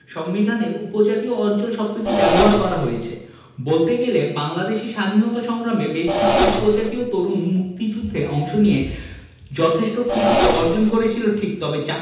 সংবিধানে উপজাতীয় অঞ্চল শব্দটি ব্যবহার করা হয়েছে বলতে গেলে বাংলাদেশের স্বাধীনতা সংগ্রামে বেশকিছু উপজাতীয় তরুণ মুক্তিযুদ্ধে অংশ নিয়ে যথেষ্ট কৃতিত্ব অর্জন করেছিল ঠিক তবে চাকমা